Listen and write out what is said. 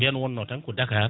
nden wonno tan ko Dakar